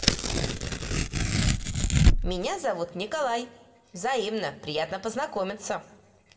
меня зовут николай взаимно приятно познакомиться